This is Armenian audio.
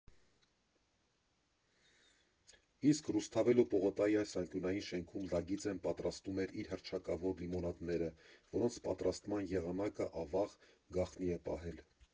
Իսկ Ռուսթավելու պողոտայի այս անկյունային շենքում Լագիձեն պատրաստում էր իր հռչակավոր լիմոնադները, որոնց պատրաստման եղանակը, ավաղ, գաղտնի է պահել։